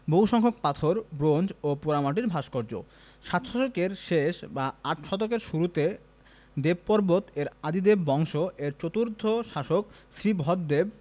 বহু সংখ্যক পাথর ব্রোঞ্জ ও পোড়ামাটির ভাস্কর্য সাত শতকের শেষ বা আট শতকের শুরুতে দেবপর্বত এর আদি দেব বংশ এর চতুর্থ শাসক শ্রী ভবদেব